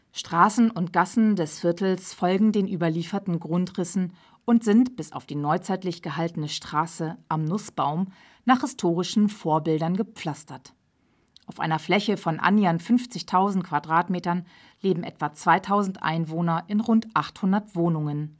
Straßen und Gassen des Viertels folgen den überlieferten Grundrissen und sind bis auf die neuzeitlich gehaltene Straße Am Nußbaum nach historischen Vorbildern gepflastert. Auf einer Fläche von annähernd 50.000 m² leben etwa 2000 Einwohner in rund 800 Wohnungen